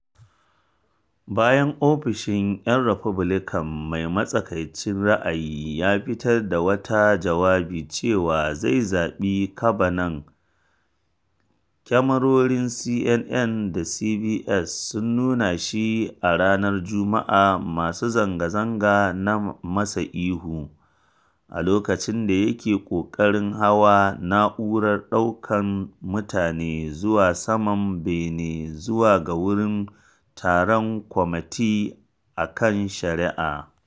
Bayan ofishin ‘yan Republican mai matsakaicin ra’ayi ya fitar da wata jawabi cewa zai zaɓi Kavanaugh, kyamarorin CNN da CBS sun nuna shi a ranar Jumu’a masu zanga-zanga na masa ihu a loƙacin da yake ƙoƙarin hawa na’urar ɗaukan mutane zuwa saman bene zuwa ga wurin taron Kwamiti a kan Shari’a.